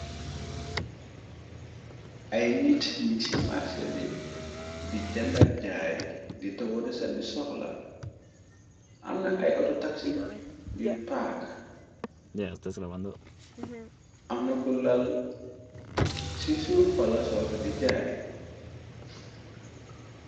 Ay nit ni ci marsé bi di jandag jaay di ta wote sani soxla amna ay autotoxi yun paak amna ku lal ci suuf palasor di jaay.